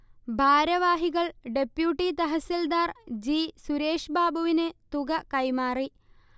ഭാരവാഹികൾ deputy tahsildar G. സുരേഷ്ബാബുവിന് തുക കൈമാറി